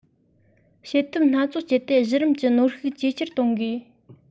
བྱེད ཐབས སྣ མང སྤྱད དེ གཞི རིམ གྱི ནོར ཤུགས ཇེ ཆེར གཏོང དགོས